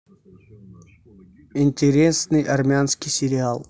интересный армянский сериал